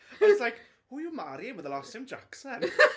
I was like, who are you marrying with the last name Jackson?